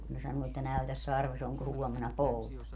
kun ne sanoo että näytä sarvesi onko huomenna pouta